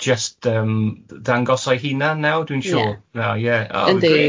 jyst yym dangos ai hunan nawr dwi'n siŵr... Ie na yndi. ...ie yy great.